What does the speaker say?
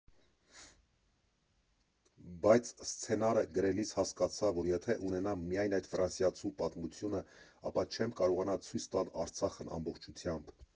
Բայց սցենարը գրելիս հասկացա, որ եթե ունենամ միայն այդ ֆրանսիացու պատմությունը, ապա չեմ կարողանա ցույց տալ Արցախն ամբողջությամբ։